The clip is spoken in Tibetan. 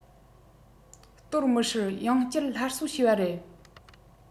གཏོར མི སྲིད ཡང བསྐྱར སླར གསོ བྱས པ རེད